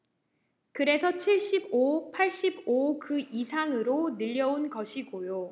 그래서 칠십 오 팔십 오 그 이상으로 늘려온 것이고요